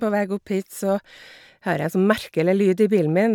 På veg opp hit så hører jeg en sånn merkelig lyd i bilen min.